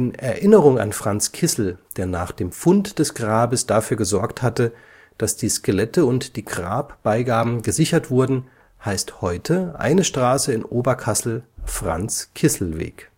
Erinnerung an Franz Kissel, der nach dem Fund des Grabes dafür gesorgt hatte, dass die Skelette und die Grabbeigaben gesichert wurden, heißt heute eine Straße in Oberkassel Franz-Kissel-Weg